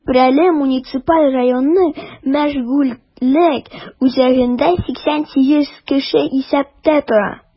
Чүпрәле муниципаль районының мәшгульлек үзәгендә 88 кеше исәптә тора.